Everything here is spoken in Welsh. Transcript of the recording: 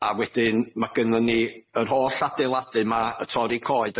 A wedyn ma' gynnon ni yr holl adeiladu 'ma y torri coed